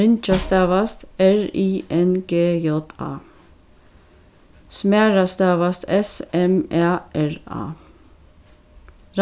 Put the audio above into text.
ringja stavast r i n g j a smæra stavast s m æ r a